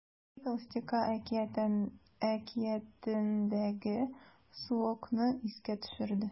“три толстяка” әкиятендәге суокны искә төшерде.